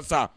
la